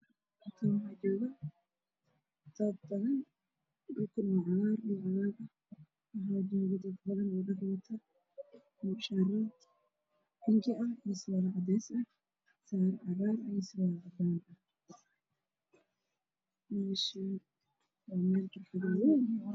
Meeshaan waa meel garoon ah waxaa joogo wiil farabadan wiilasha kuwo waxay wataan fanaanada guddidana kuwa kalana waxay watano fanaanida cagaara suwaalo caddaan